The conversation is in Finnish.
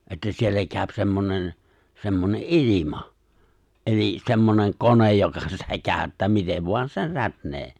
että siellä käy semmoinen semmoinen ilma eli semmoinen kone joka sitä käyttää miten vain sen rätnää